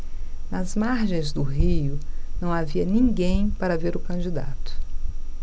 nas margens do rio não havia ninguém para ver o candidato